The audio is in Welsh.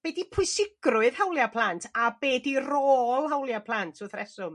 be 'di pwysigrwydd hawlia' plant? A be di rôl hawlia' plant wrth reswm?